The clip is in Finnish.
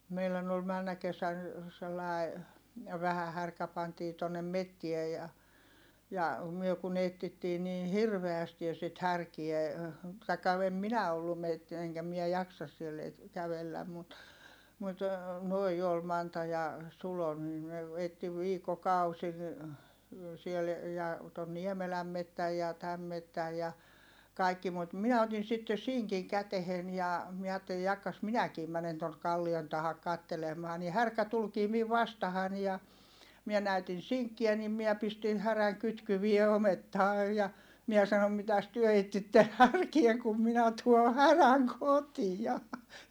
meidän oli menneenä kesänä sellainen vähä härkä pantiin tuonne metsään ja ja me kun etsittiin niin hirveästi ja sitä härkää tai en minä ollut - enkä minä jaksa siellä - kävellä mutta mutta nuo oli Manta ja Sulo niin ne etsi viikkokausia siellä ja tuon Niemelän metsän ja tämän metsän ja kaikki mutta minä otin sitten sinkin käteen ja minä ajattelin jahka minäkin menen tuonne kallion taa katselemaan niin härkä tulikin minua vastaan ja minä näytin sinkkiä niin minä pistin härän kytkyen omettaan ja minä sanoin mitäs te etsitte härkää kun minä tuon härän kotia